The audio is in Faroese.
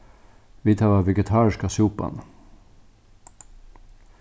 vit hava vegetariska súpan